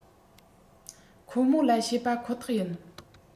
ཁོ མོས ལ བཤད པ ཁོ ཐག ཡིན